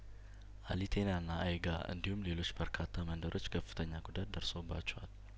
አሊቴናና አይጋ እንዲሁም ሌሎች በርካታ መንደሮች ከፍተኛ ጉዳት ደርሶባቸዋል